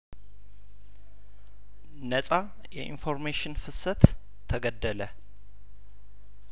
ነጻ የኢንፎርሜሽን ፍሰት ተገደለ